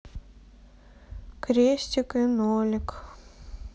крестик и нолик